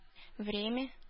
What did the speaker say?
Время